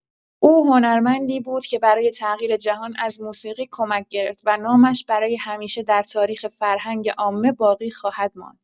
او هنرمندی بود که برای تغییر جهان از موسیقی کمک گرفت و نامش برای همیشه در تاریخ فرهنگ عامه باقی خواهد ماند.